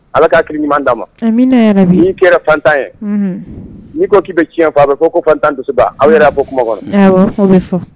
Ala ka kiri ɲuman da ma'i kɛra fatan ye n'i ko k'i bɛ tiɲɛ fɔ a bɛ ko fatan dusuba aw yɛrɛ bɔ kuma kɔnɔ